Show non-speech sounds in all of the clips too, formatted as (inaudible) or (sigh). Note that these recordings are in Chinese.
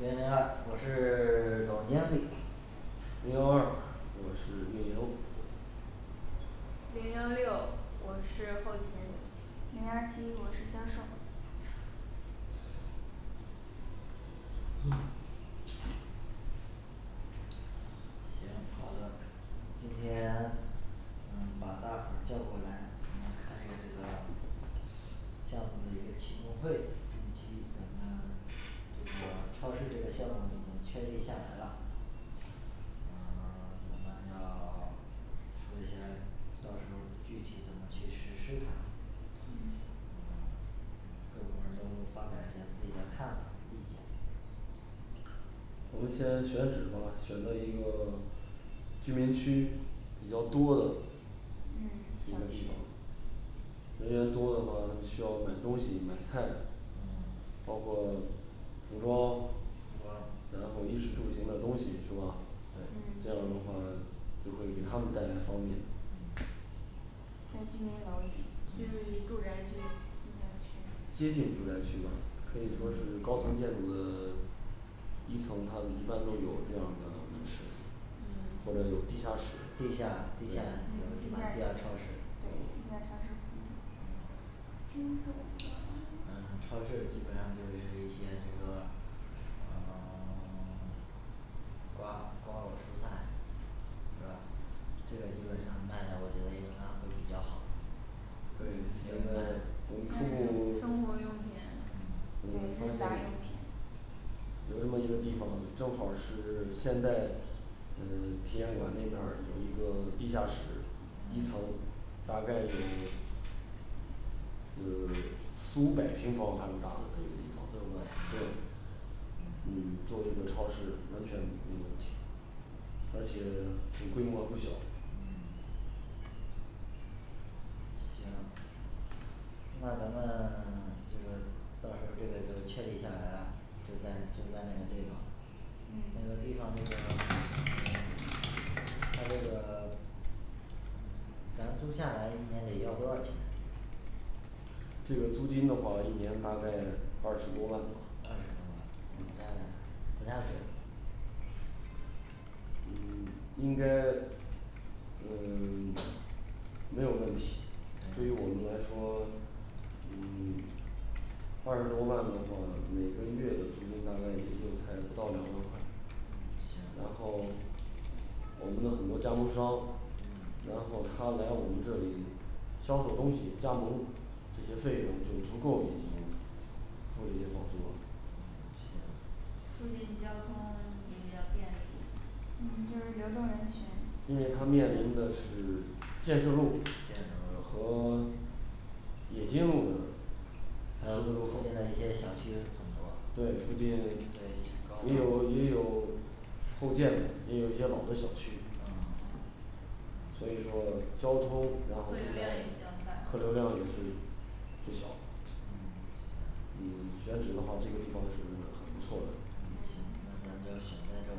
零零二我是 (silence) 总经理零幺二我是运营零幺六我是后勤零幺七我是销售行。好的，今天呃把大伙儿叫过来咱们开一个这个项目的一个启动会近期咱们 (silence) 这个超市这个项目已经确立下来啦嗯 (silence) 咱们要 (silence) 说一下儿，到时候儿具体怎么去实施它，嗯呃，各部门儿都发表一下自己的看法和意见。我们现在选址嘛，选择一个 (silence) 居民区比较多的，嗯一个，小地区方人员多的话需要买东西买菜，嗯包括服装，服装然后衣食住行的东西是吧？嗯对这样的话就会给他们带来方便嗯，在居民楼对里对对，住宅区，接近住宅区吧，可以说是高层建嗯筑的 (silence) 一层，他们一般都有这样的门市，嗯或者有地下室地下，地下对，地下超市对，地下超市呃 (silence) 超市基本上就是一些那个呃 (silence) 瓜瓜果蔬菜，是吧？这个基本上卖的我觉得应该会比较好。对，现在我们中，嗯生活用，品对日杂用品，嗯有这么一个地方，正好是现在嗯体验馆那边儿有一个地下室，一层大概有呃， (silence) 四五百平方那么大，四四五百平对米，嗯，嗯，作为一个超市完全没有问题，而且规模还不小。嗯行那咱们这个到时候儿这个就确定下来啦，就在就在那个地方。嗯那个地方那个嗯他这个嗯咱租下来一年得要多少钱？这个租金的话一年大概二十多万吧二十多万，不太不太贵，嗯， (silence) 应该呃 (silence) 没有问题。对于我们来嗯说，嗯 (silence) 二十多万的话，每个月的租金大概也就才不到两万块。嗯行然后我们的很多加盟商，然后他来我们这里销售东西加盟，这些费用就足够付这些房租啦。嗯行附近交通也比较便利。嗯，就是流动人群因为他面临的是 (silence) 建设路建设路和 (silence) 冶金路的还有路路后面的一些小区差不多对附近对也有也有后建的，也有一些老的小区。嗯嗯所以说交通客，然后流五量百也比米较大，客流量也是不小，嗯，行嗯选址的话这个地方是很不错的。嗯行，嗯那咱就选在这里。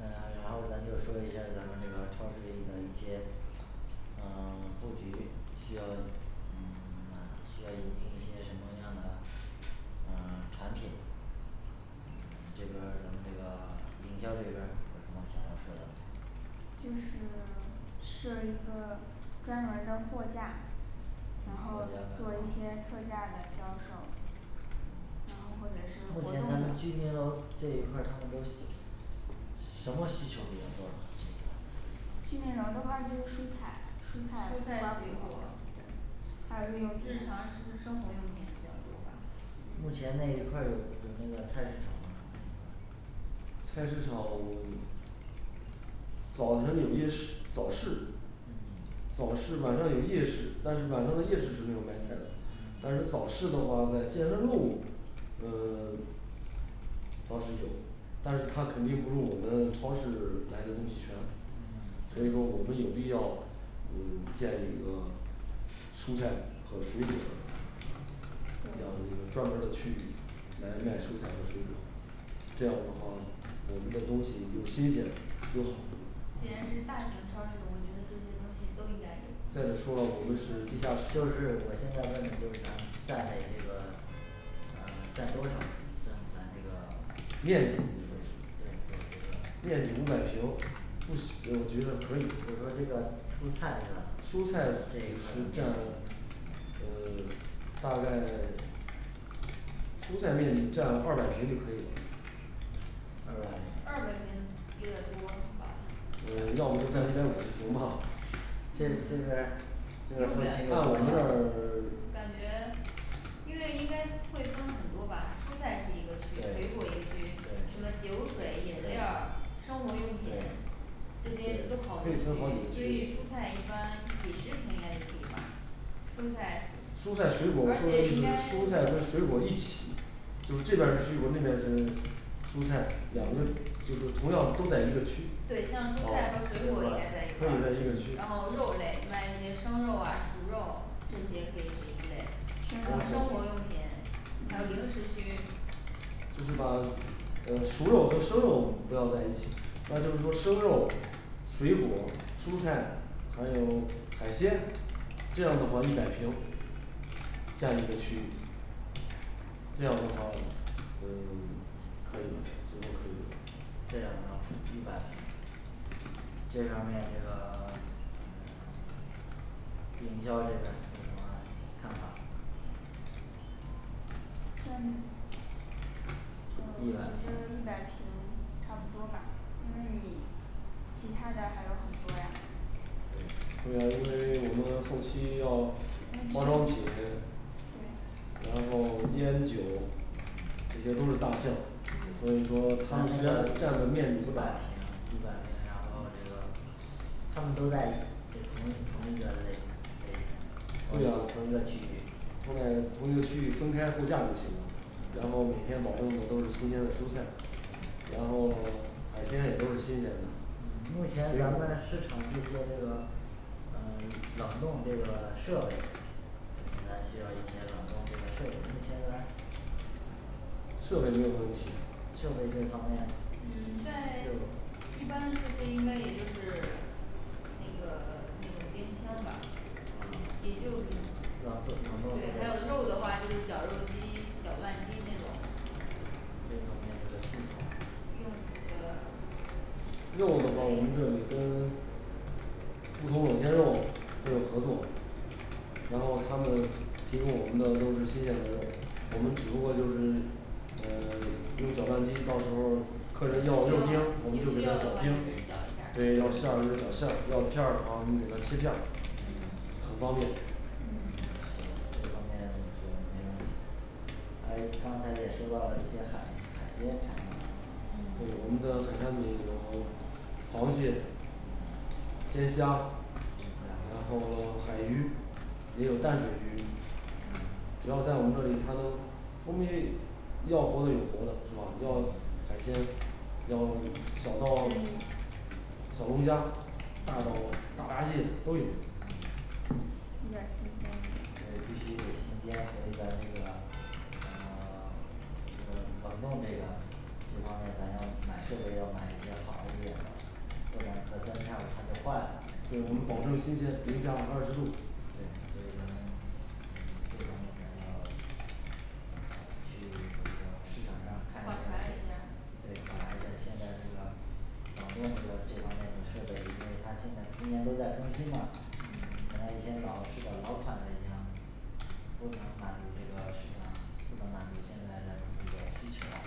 呃 (silence) 然后咱就说一下咱们这个超市里的一些呃 (silence) 布局需要嗯 (silence) 需要引进一些什么样的呃产品，咱们这边儿咱们这个 (silence) 营销这边儿有什么想要说的没？就是 (silence) 设一个专门儿的货架然后货架摆做一放些特价的销售，嗯然后或者是，目活前咱们居动民楼这一块儿他们都什么需求比较多呢？居民楼的话就是蔬菜、蔬蔬菜菜、水果，日瓜果对，还有日用品嗯常生活用品比较多吧，嗯目前那一块儿有有那个菜市场吗？菜市场，嗯 (silence) 早晨有夜市 (unintelligible) 早市，嗯早市晚上有夜市，但是晚上的夜市是没有卖菜的。嗯但是早市的话在建设路，呃 (silence) 倒是有，但是他肯定不如我们超市来的东西全。嗯所以说我们有必要嗯，建一个蔬菜和水果儿，要对有一个专门儿的区域来卖蔬菜和水果儿。这样的话我们的东西又新鲜又好，既然是大型超市，我觉得这些东西都应该有，再者说了我们是地下室就是我现在问的就是咱们占的这个呃占多少这样咱这个，面积，对，对，对，这个，面积五百平，不行，我觉得可以我就，说这个蔬菜呢，蔬菜这只是一占块儿呃 (silence) 大概蔬菜面积占二百平就可以了。二百，二百平有点儿多吧呃要么就占一百五十平吧这就是按我们这儿 (silence) 感觉因为应该会分很多吧，蔬菜是一个区水对果一个区对什么酒水、饮料儿对、生活用品，对这对些都刨，出可以去，分好几个所区域以，蔬菜一般几十平应该就可以吧，蔬菜蔬菜水果，儿我而说的意且思应该。是蔬菜和水果儿一起，就是这边儿是水果儿，那边儿是蔬菜，两个嗯就是同样都在一个区，啊对吧，对，啊对吧像蔬菜和水果儿应该在一可块以在一个区儿，然后肉类卖一些生肉啊熟肉，这些可以是一类然后生活用品，还有零食嗯区就是把呃熟肉和生肉不要在一起，那就是说生肉、水果儿、蔬菜还有海鲜，这样的话一百平这样一个区域。这样的话嗯， (silence) 可以了，应该可以了这样呢一百平，这方面儿这个 (silence) 嗯营销这边儿有什么看法嗯，我一百觉平得一百平差不多吧，因为你其他的还有很多呀对对呀，因为我们后期要化妆品。对然后烟酒，这些都是大项，所以说咱咱们占们占的面积一百不平大呀一百平，然后这个他们都在一这同一同一个。那个，对呀，同一同一个区域放在同一个区域分开货架就行了。然后每天保证的都是新鲜的蔬菜，然后 (silence) 海鲜也都是新鲜的。设备没有问题，设备这方面就嗯，在就一般就是应该也就是那个那种冰箱吧啊冷也就，冷住冷对还有冻肉的住话就是绞肉机，搅拌机那种这方面这个肉的话我们这儿得跟猪头冷鲜肉都有合作嗯，然后他们提供我们的都是新鲜的肉，我们只不过就嗯是嗯 (silence) 有搅拌机，到时候儿有需要有需要的话就客人要肉丁儿，我们就给他搅给丁儿搅一下，儿，对要馅儿就搅馅儿，要片儿的话我们给他切片儿。很方便嗯行，这方面就没问题。还有刚才也说到了一些海海鲜产品嗯对我们的海产品有螃蟹、嗯鲜虾，鲜虾然后了海鱼，也有淡水鱼，只要在我们这里他都后面要活的有活的是吧？要嗯海鲜要小到嗯小龙虾，大到嗯大闸蟹都有一点儿新鲜对，的必须得新鲜，所以咱这个呃 (silence) 这个冷冻这个这方面儿咱要买设备要买一些好一点儿的，不能隔三差五它就坏了所以我们保证新鲜零下二十度，对，所以咱们这方面咱们要，去这个市场上看一考下察。一下儿对，考察一下儿，现在这个冷冻这个这方面的设备因为它现在重年都在更新嘛嗯，原来一些老式的老款的已经不能满足这个市场，不能满足现在的这个需求啦。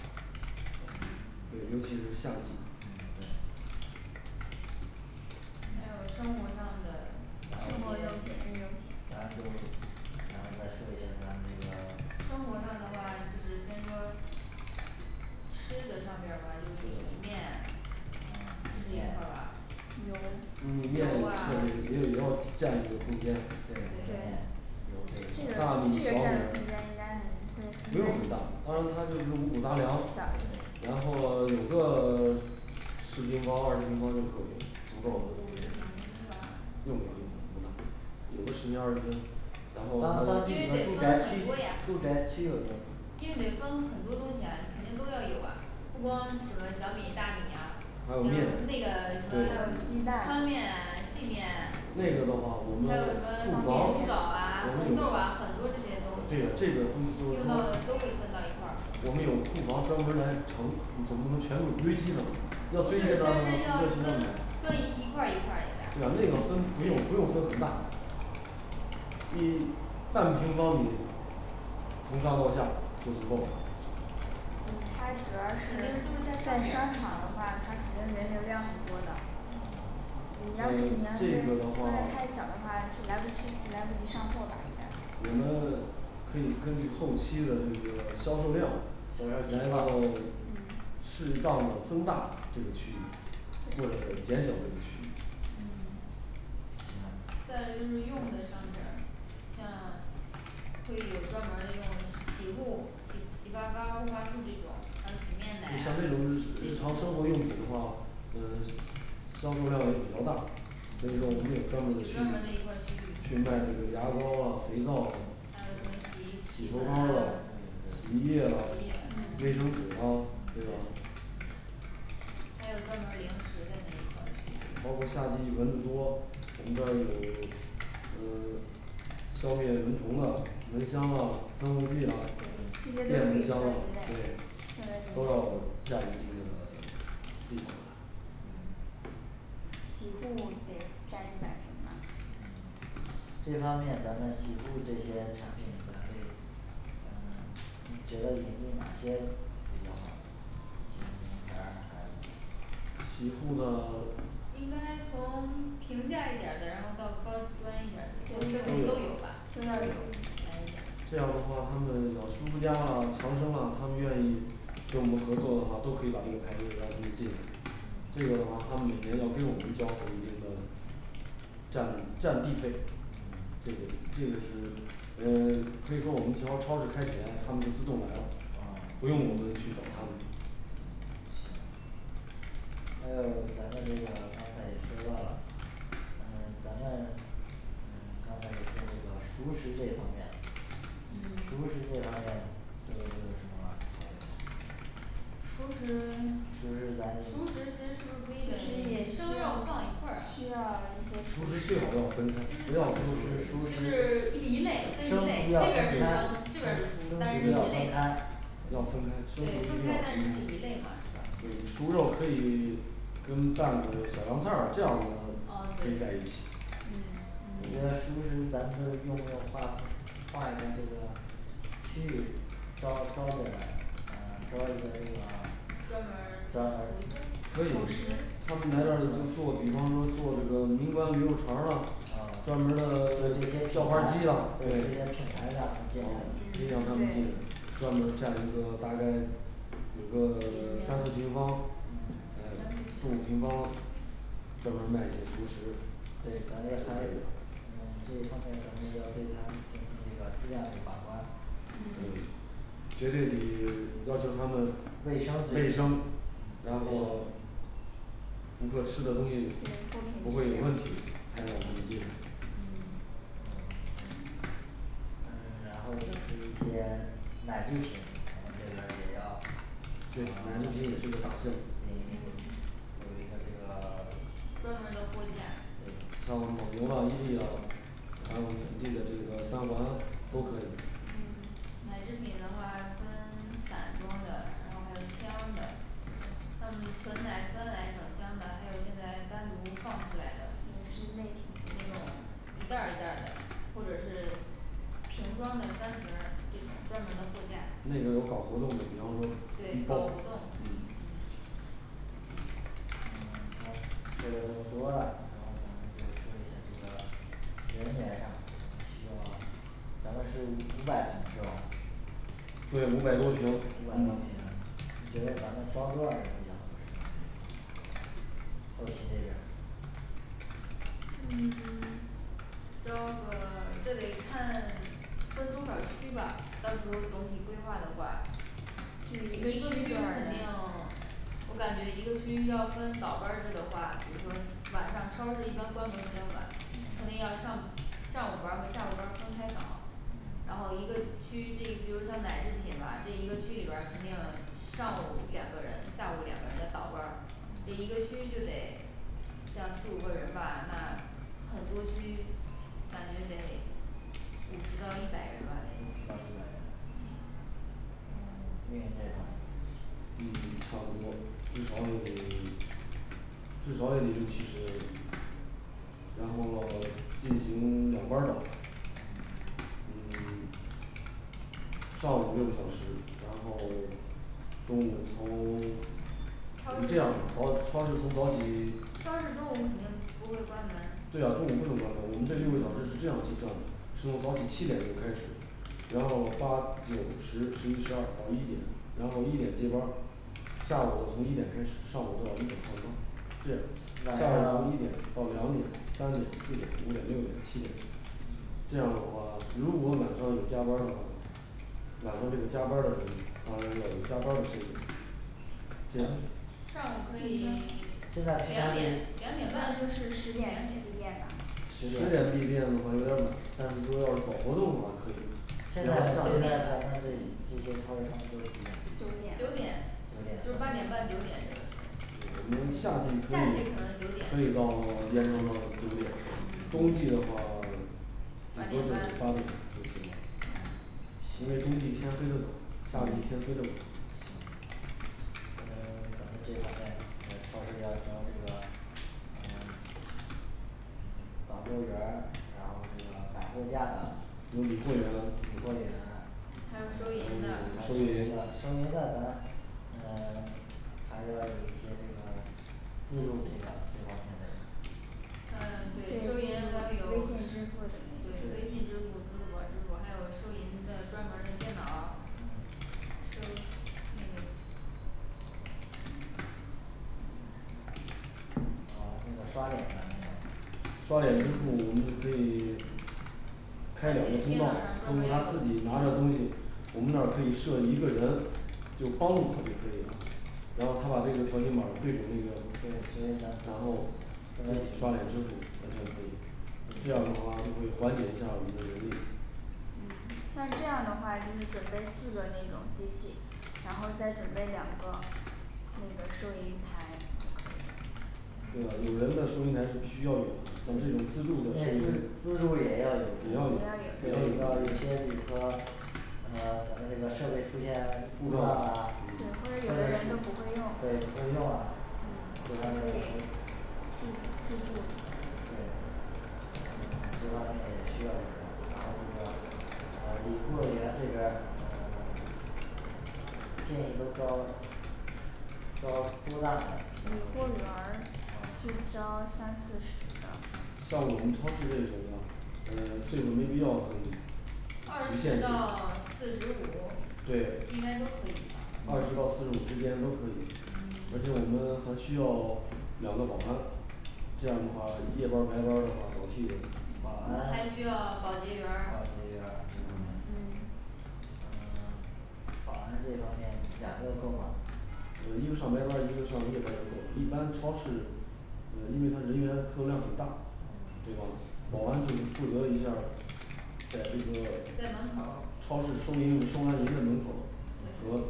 对，尤其是夏季，嗯对还有生活上的生活用品日用品。下一步，然后再说一下咱们这个生活上的话就是先说吃的上边儿吧就是米面，这嗯是一块儿吧，油嗯，面的设备这个也啊要占一个空间对对这个这个占的空间应该很会应该、小一点，有个十平二十平，然后，然后当当因地为得的住分宅区很多呀，住宅区有的，因为得分很多东西呀肯定都要有啊，不光什么小米大米呀还有面，那对，那个个的话我们库房我们有对这个还有公什司鸡么呢我们蛋有库房，啊宽，专门儿面来，细盛你面，怎么能全部堆积呢，还有什么方便红枣面儿啊我、红们豆有儿啊很多这些东西对呀这个东西就是用说到的都会分到一块儿我们有库房专门儿来盛总不能全部堆积在那不是但是要分要堆积到那个上面，分一一块儿一块儿对的呀呀那个分没有不用分很大。你半平方米从上到下就足够啦嗯它主要肯定是都是在在上商场边的话，它肯定人流量很多的，嗯你要是你要对是这分个的话的太小的话是来不清 (unintelligible) 来不及上货吧应该我们可以根据后期的这个 (silence) 销售量销，然后售嗯适当的增大这个区域对或者减小这个区域。嗯行在就是用的上边儿，像会有专门儿的用洗护洗洗发膏儿护发素这种，还有洗面奶像啊这这种种日常生活用品的的话呃销售量也比较大，所以说我们有专门的区专门域儿的一块儿区域，去卖这个牙膏儿啊肥皂啊，嗯，那个洗衣洗洗衣头粉膏儿啊啊，洗衣液啊洗衣液，嗯，卫嗯生纸呀对吧？还有专门儿零食的那一块儿区域，包括夏季蚊子多，我们要有 (silence) 呃消灭蚊虫的蚊香啦喷雾剂啦这些都可，电以蚊分一香啦，对类，都要占一定的 (silence) 地方的洗护得占一百平吧。洗护呢，都有应该从这平价一点儿的，然后到高端一点儿的都对，得都有吧。都要有样的话他们找舒肤佳啦，长生啦，他们愿意跟我们合作的话，都可以把这个牌子让他们进来。这个的话他们每年要给我们交付一定的占占地费。嗯这个这个是呃可以说我们只要超市开起来，他们就自动来了，不啊用我们去找他们。嗯行还有咱们这个刚才也说到了，嗯咱们嗯刚才也说这个熟食这方面，嗯熟食这方面，这个都有什么咱们？熟食就是咱那个熟食 (silence) 熟食其实就是归个类与也生需肉要放一块儿，就需要一些厨熟是食师最好要分开，不要跟熟食生的在就熟一食是起一类生，分熟一类，那要分开生生边儿是生，这边儿是熟熟，但是你的要类分开要分开，对生熟一分定开要但分是开得一类嘛，是吧，对，你熟肉可以跟拌的小凉菜儿这样的嗯，可对以在对一起。嗯嗯你看嗯熟食咱们用不用划划一个这个区域，招招点儿嗯，招一点儿这个，专门专门儿，，可厨以厨师，师他们来这儿就能做，比方说做这个明冠牛肉肠儿啦啊专门儿那些品牌的 (silence) 叫花鸡啦，，对对，那些嗯品牌，可以让让他他们们进进来来嗯对专门儿占一个大概有个 (silence) 三四平方嗯四五平方，专门儿卖一些熟食，都对，还得，可还以嗯对她们咱们要对他进行一个质量的把关，对嗯，绝对得要求他们卫卫生最起码生，，然嗯后顾客吃的东西对，货品质不会有量问题嗯哦才嗯能让他们进来嗯，然后就是，一对些，奶奶制品咱们这边儿也要呃制品也联系是个大片有一个这个， (silence) 专门儿的货架，对像蒙牛啊伊利啊，然后本地的这个三元啊都可以嗯，奶制品的话分散装的，然后还有箱儿的嗯，纯奶分为整箱的，还有现在单独放出来的，也是那种类挺多的，一袋嗯儿一袋儿的，或者是瓶装的单盒儿这种专门儿的货架，那对个有，搞搞活活动动的，比方说易爆嗯嗯嗯刚说了这么多了然后咱们就说一下这个人员上还需要咱们是五五百平是吧？对，五百多平五百多平嗯，你觉得咱们招多少人比较合适后勤这边儿嗯，招个，这得看分多少区吧，到时候儿总体规划的话,就一是个一个区区域多少肯人定我感觉一个区域要分倒班儿制的话，比如说嗯晚上超市一般关门儿比较晚，肯定嗯要上上午班儿和下午班儿分开倒，然嗯后一个区这一比如像奶制品吧这一个区里边儿肯定上午两个人下午两个人要倒班儿，这一嗯个区就得像四五个人吧，那很多区感觉得五十到一百人，五十到吧一得百人嗯运营这块儿嗯，差不多，最少也得 (silence) 至少也得六七十人，然后喽进行两班儿倒嗯 (silence) 上午六个小时，然后 (silence) 中午从超 (silence) 你这市，样早超市从早起， (silence) 超市中午肯定不会关门对呀，中午不能关门儿，我们这六个小时是这样计算的。是从早起七点钟开始，然后八，九，十，十一，十二，到一点，然后一点接班儿，下午从一点开始，上午不到一点下班儿，这晚样下午从一点上到两点三点四点五点六点七点这样的话如果晚上有加班儿的话晚上这个加班儿的人当然要有加班儿的顺序，这样，上午可以 (silence) 两点，两点一半般两就是十点闭点。店吧十点闭十点店的话有点儿晚，但是说要搞活动的话可以现在，咱们的一这些超市他们都是几点闭店九点九点九就点八咱们点半九点这个时候我们夏季可夏季以可能九点可以到延长到九点，冬季的话 (silence) 顶多就是八点半八点就行啦，嗯因行为冬季天黑的早，夏季天黑的晚行嗯 (silence) 咱们这方面，呃超市要招这个呃 (silence) 导购员儿然后这个，摆货架的，理货员理货员还有收银的还有收收银的银收银的咱嗯还要有一些这个技术系的这方面的人儿对嗯，对，对收银的还要有微信支付的对那个嗯微信支付，支付宝儿支付，还有收银的专门儿的电脑儿。嗯收那个哦，那个刷脸的那种刷脸支付我们可以 (silence) 而开两个且电通脑道上，专就门儿让要他自己拿着有东系西统，我们那儿可以设一个人，就帮助他就可以啦，然后他把那个条形码儿对准那个对，所以咱们，相，然后再刷当脸于，支付嗯完全可以对。这样的话就会缓解一下儿我们的人力嗯，像这样的话就是准备四个那种机器，然后再准备两个那个收银台对啊有人的收银台是必须要有的，像这种自助那，的，自自助也也要要也要有有人有，，对也遇要有到有些比如说嗯，可能这个设备出现故故障障啊，对，嗯或者有的人都不会用对不会用啊，就刚才有时候儿自，自助对理货员儿就招三四十的像我们超市这种的呃岁数儿没必要嗯二不限十到四十对五，应该都可以，二吧十到四十五之间都可以嗯而且我们还需要两个保安这样的话夜班儿白班儿的话倒替着保还安。需要保洁员儿保洁员儿嗯嗯呃， (silence) 保安这方面两个够吗，嗯一个上白班儿，一个上夜班儿就够了，一般超市，嗯因为他人员客流量很大，对吧嗯？保安就是负责一下儿在这个在门口儿超市收银收完银的门口儿和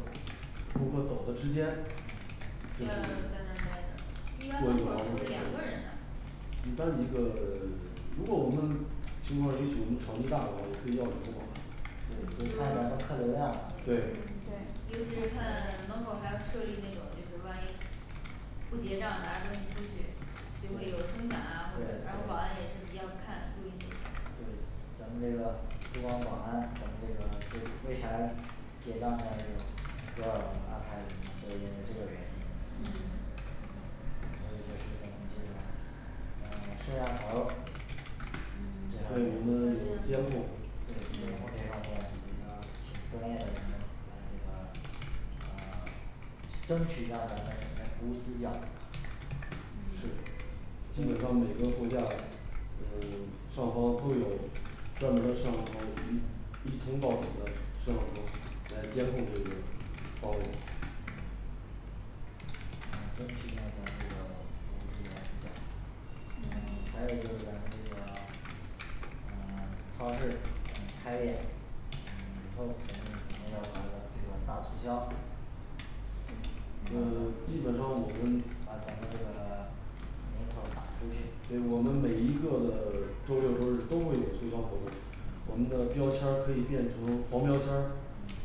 顾客走的之间，会有要在那儿在那儿呆着。一般门口儿是不是两个人呐一般一个， (silence) 如果我们情况儿允许我们场地大的话，也可以要两个保安。对，就看咱们客流量啦嗯对对尤其是看 (silence) 门口儿还要设立那个，就是万一不结账拿着东西出去对就会对有声响啊或者什么，然后保安也对自己要看注意这对咱个。们这个不光保安咱们这个柜柜台结账那儿有要安排人呢就因为这个原因，嗯还有就是咱们这个呃，摄像头儿，嗯嗯这对，方我面，们有监控对，监控这嗯方面呃请专业的这个这个呃 (silence) 争取让咱们嗯是，基本上每个货架嗯，上方都有专门儿的摄像头儿，一一通道这个摄像头儿来监控这个方位呃争取让咱们这个服务质量嗯还有就是咱们这个呃超市正常开业嗯，以后咱们就一定要搞一个这种大促销嗯，基本上我们，把咱们这个名声打出去对我们每一个的周六周日都会有促销活动，我们的标签儿可以变成黄标签儿，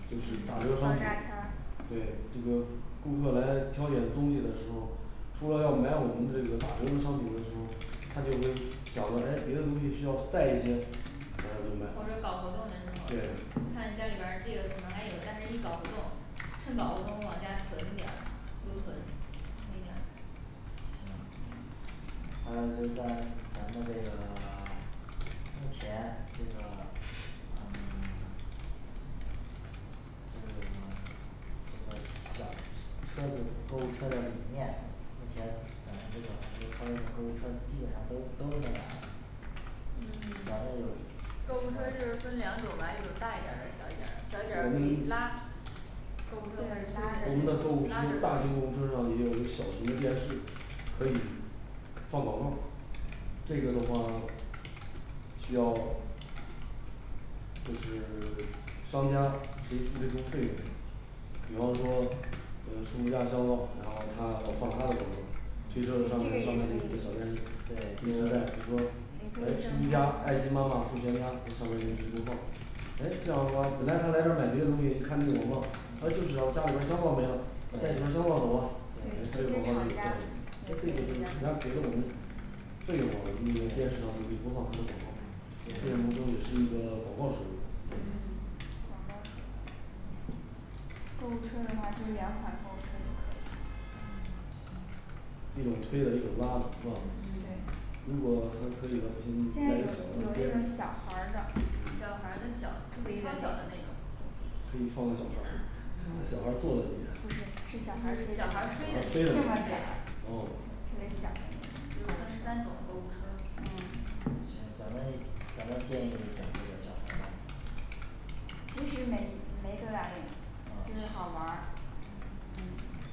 就嗯是打折特商品价签儿对这个顾客来挑选东西的时候儿除了要买我们这个打折的商品的时候儿，他就会想着哎别的东西需要带一些，还有就买了对对趁搞活动往家囤点儿，嗯多囤，那嗯个嗯，呃就在咱们这个， (silence) 目前这个，呃 (silence) 这个这个小吃 (unintelligible) 车子的购物车的理念目前咱们这个，很多超市的购物车基本上都都是那样嘞咱嗯 (silence) 们就购物车就是分两种吧，一种大一点儿的小一点儿的，小一点儿我的可们一以拉。购物车拉我着们的拉着购的物车，大型购物的车上也有一个小型的电视，可以放广告儿。这个的话需要就是 (silence) 商家谁付这个费用，比方说嗯，舒肤佳香皂，然后它，放它的广告儿推诶这车个也的可上面上面有我们的小以电视对，比如说，也可以哎舒肤这样佳，爱心妈妈，护全家，这上边都是可以播放哎，正好啊，本来他来这儿买别的东西，一看这个广告，他就知道家里边儿香皂没了，带几块儿香皂走吧对，，他对，对可以跟厂家，也可以给的了我们这个的话我们电视上就得播放他的广告，这怎么着对也是一个广告收入嗯广告儿收入购物车的话就两款购物车也可以嗯行。一种推的一种拉的是吧？如果还可以的话，进现在有行有这种小孩儿的，推小孩儿的小，的超小的那那种种可以放个小孩儿。 (noise) 让小孩儿坐在里不是，边是，小小孩孩儿儿推的那种推得哦，特别小的那种购物车，嗯嗯嗯行，咱们也，咱们建议也整这个小孩儿的其实没没多大用。就是好玩嗯儿。嗯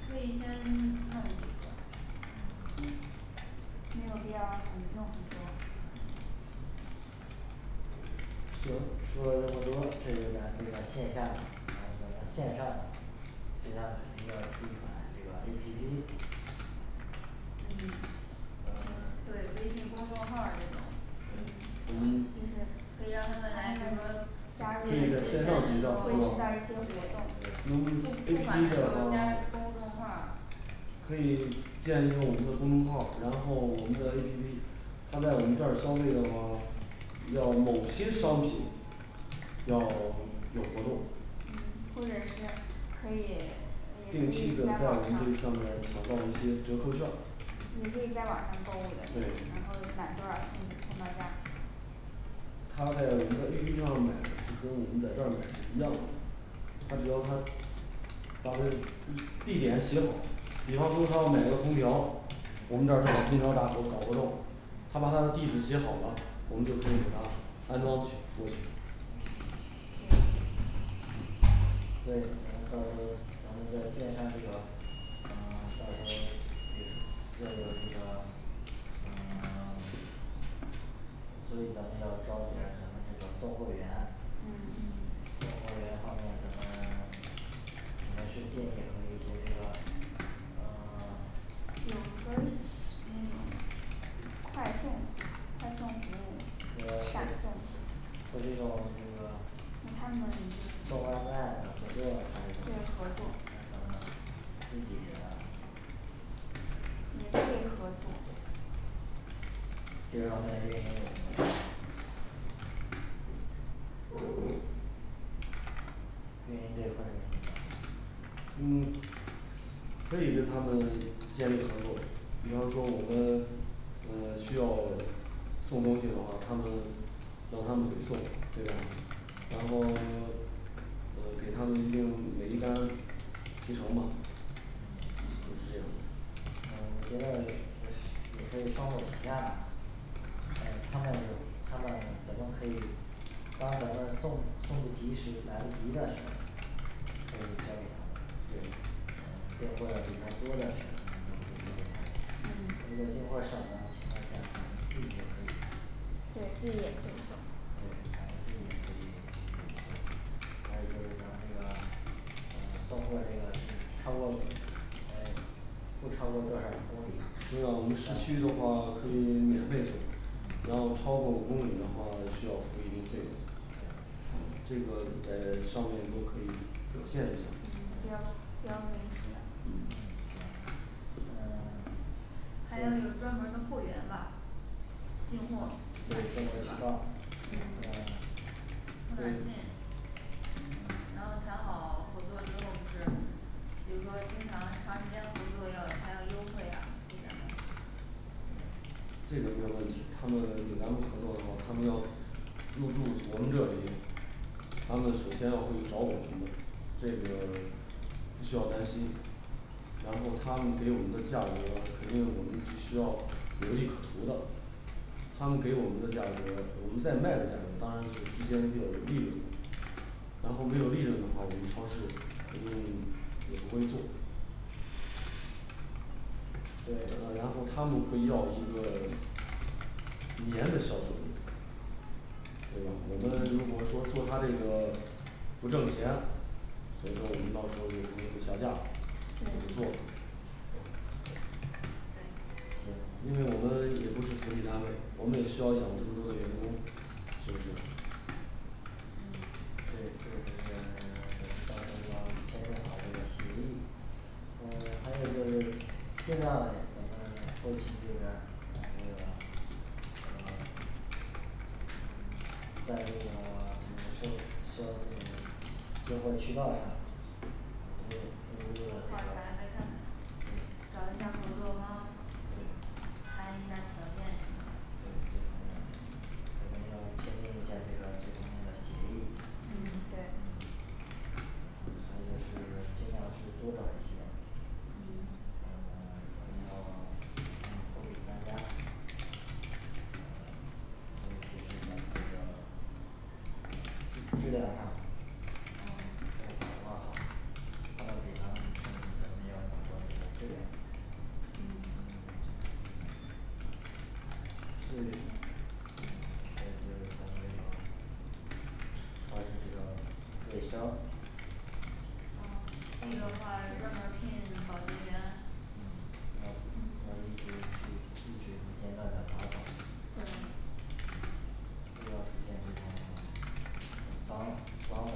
可以先弄几个没有必要弄那么多说说了这么多，至于咱们这个线下还有咱们线上线上肯定要出一款这个A P P 嗯，咱们对，微信公众号儿这种咱们就是，可以让他们来比如说，加入关这注到个线上比较一些活动对不不买的时候儿加公众号儿可以建一个我们的公众号儿，然后我们的A P P他在我们这儿消费的话要某些商品要有活动嗯，或者是可以也定可以期在的在我网们这上，上边儿抢购一些折扣劵儿，也可以在网上购物的，对然后满多少送送到家他在我们的A P P买是跟我们在这儿买是一样的。他只要他把他地 (unintelligible) 地点写好，比方说他要买个空调，我们这儿正好空调打搞活动，他把他的地址写好了，我们就可以给他安装去过去对，然后到时候儿，咱们在线上这个呃 (silence) 到时候儿这就是这个呃 (silence) 所以咱们要招全咱们这个送货员嗯嗯送货员方面咱们 (silence) 还是建议和一些这个呃 (silence) 也可以，那个快送，快送服务那，个闪嗯送就利用就是说送外卖的，还是怎么还是咱们自己的也可以合作接下来运营这块儿，运营这块儿呢嗯，可以跟他们建立合作。比方说我们嗯，需要送东西的话，他们让他们给送对吧？然后 (silence) 呃给他们一定每一单提成吧呃。就就是是这这样样的。嗯 (silence) 的。我觉得也也可以双管儿齐下嘛。嗯，他们他们怎么可以帮咱们送送不及时，来不及的时候儿，这这这嗯进货比较多的时候儿。嗯如果进货少的情况下，咱们自己也可以对，自己也可以送。对咱们自己也可以去送还有就是咱们这个呃送货这个就是超过诶不超过多少公里这样我们市区的话可以免费送，然嗯后超过五公里的话需要付一定费用这个在上面都可以表现嗯一下标儿，嗯标明出来嗯嗯 (silence) 还要有专门儿的货源吧。进货对，进货渠道那嗯对然后谈好合作之后,就是比如说经常长时间合作要有还有优惠呀，这个没有问题，他们给咱们合作的话，他们要入驻我们这里，他们首先会找我们的这个 (silence) 不需要担心，然后他们给我们的价格肯定我们必须要有利可图的他们给我们的价格，我们在卖的价格当然这之间得有利润，然后没有利润的话，我们超市肯定也不会做。对，然这后他个们会要一个 (silence) 年的销售额对吧，我们如果说做他这个不挣钱，所以说我们到时候儿肯定会下架，就不做对了因为我们也不是科技单位，我们也需要养这么多的员工，是不是嗯对对，嗯 (silence) 咱们到时候儿签订好这个协议嗯，还有就是尽量我们后勤这边儿，把这个呃 (silence) 在这个 (silence) 零售销售进货渠道上咱这个考察再看看对找一下儿合作方，对谈一下儿条件什么的？嗯，对对咱们要签订一下这个这方面的协议。嗯对反正就是尽量是多找一些嗯呃 (silence) 咱们要货比三家还有就是咱们这个呃质质量上嗯都把关好况且咱们咱们要把关这个质量嗯再就是咱们有超市这个卫生嗯，这个话专门聘保洁员嗯要嗯要一直一直不间断的打扫对不得出现这种脏脏的，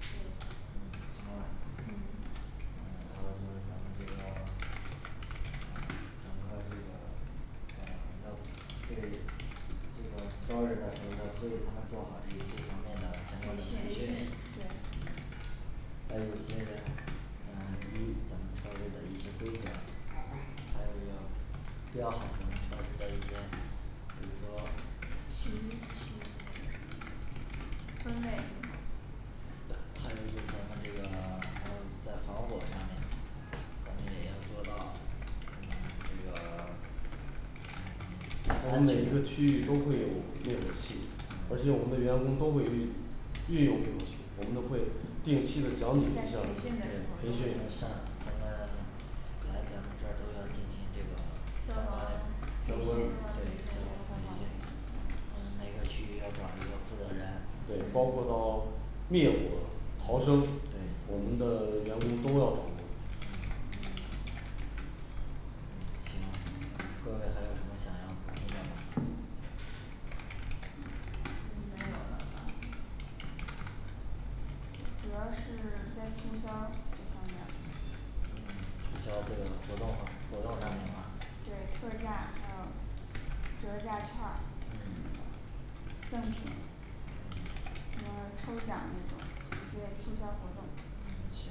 对嗯行吧嗯嗯，然后就是咱们这个 (silence) 整个儿这个呃 (silence) 要对这个招人的时候对他们做好这一这方面的相关的培培训训，对还有一些嗯 (silence) 一咱们超市的一些规则，还有这个较好的超市的一些比如说徐徐分类 (crosstalk) 还有一些咱们这个 (silence) 还有在防火上面咱们也要做到嗯 (silence) 这个 (silence) 我们每一个区域都会有灭火器，而且我们的员工都会用运运用灭火器，我们都会定期的讲解一在培训的时候儿下儿，培训应嗯，该咱们来咱们这儿都要进行这个消消防防培对训消防培训嗯每个区域要找一个负责人对，包括到灭火逃生，我对们的员工都要掌握。嗯，行，各位还有什么想要补充的吗？嗯没行有了吧主要是在促销这方面儿嗯，促销这个活动吗？活动上面对特吗价还有折价券儿嗯赠品嗯，还有抽奖那种，一些促销活动，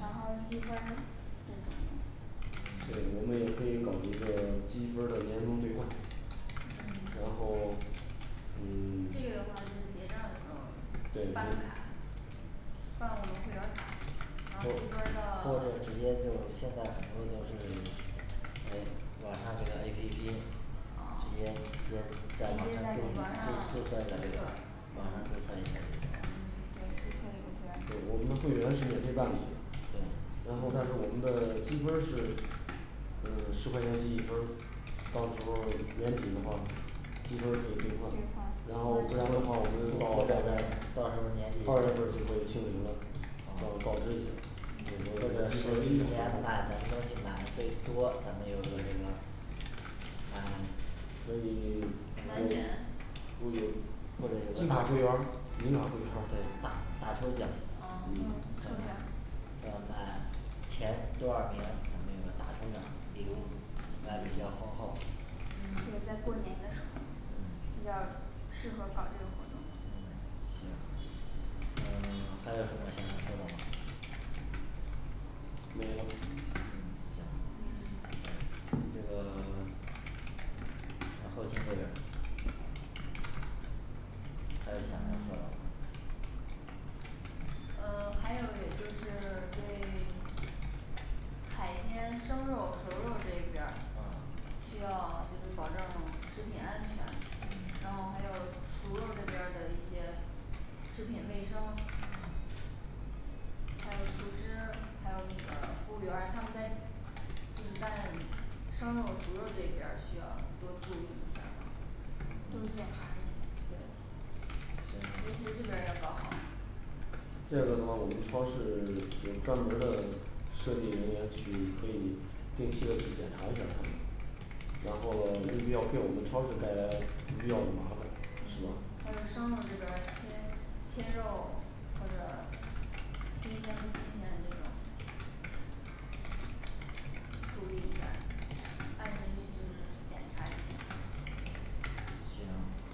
然行后积分儿这种的对，我们也可以搞一个积分儿的年终兑换。然嗯，后嗯，这个的话就是结账的时候儿，办卡对。办我们会员儿卡，然后后这边儿后的边儿 (silence) 直接就现在很多都是这个诶网上这个A P P直呃接直接在网呃直上注接在可以网注上册一个积这个分儿网上注册一下儿就行嗯对，注册一个对会员儿对我们的会员是免费办的对然后但是我们的积分儿是呃十块钱积一分儿到时候儿年底的话积分儿可以兑兑换换然后不然的话我通知们大到，二家到时候儿年底就，哦月份儿就会清零了，就告知一下儿或者比说如说一年买咱们东西买的最多，咱们有一个这个满所以满减估计，或者这金个卡大，会对员儿，银卡会员，大，儿大抽奖嗯就是抽奖前多少名咱们有个大抽奖礼物应该比较丰厚对，在过年的时候儿嗯比较适合搞这个活动嗯行，嗯 (silence) 还有什么想要说的吗没了嗯嗯行这个 (silence) 呃后勤这边儿还有想要嗯说的吗？(silence) 嗯，还有也就是对。海鲜、生肉、熟肉这一边儿嗯需要就是保证食品安全。然嗯后还有熟肉这边儿的一些食品卫生嗯还有厨师，还有那个服务员儿他们在就是在生肉熟肉这边儿需要多注意一下儿都检查一下儿对对卫生这边儿要搞好这样的话我们超市 (silence) 有专门儿的设立人员去可以定期的去检查一下儿他们，然后喽没必要被我们超市带来不必要的麻烦，是嗯，还有吧？生肉这边儿，切切肉或者新鲜不新鲜的那种注意一下儿还有就是就是检查一下儿行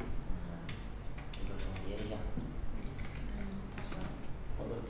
嗯，这个总结一下儿嗯好的好的